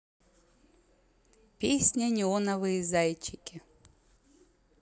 песня неоновые зайчики